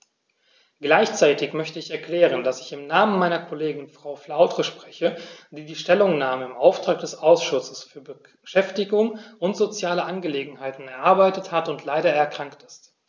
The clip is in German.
Gleichzeitig möchte ich erklären, dass ich im Namen meiner Kollegin Frau Flautre spreche, die die Stellungnahme im Auftrag des Ausschusses für Beschäftigung und soziale Angelegenheiten erarbeitet hat und leider erkrankt ist.